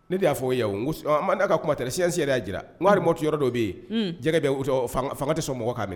Ne de y'a fɔ yan man da ka kumatɛrecsi' jira nmo dɔw bɛ yen jɛgɛ bɛ fanga tɛ sɔn mɔgɔ k'a minɛ